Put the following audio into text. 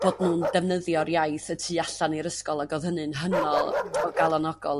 bod n'w'n defnyddio'r iaith y tu allan i'r ysgol ag o'dd hynny'n hynod o galonogol